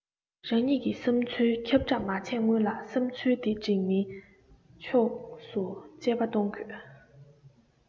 རང ཉིད ཀྱི བསམ ཚུལ ཁྱབ སྦྲགས མ བྱས སྔོན ལ བསམ ཚུལ དེ འགྲིག མིན ཕྱོགས སུ དཔྱད པ གཏོང དགོས